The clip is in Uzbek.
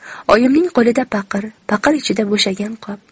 oyimning qo'lida paqir paqir ichida bo'shagan qop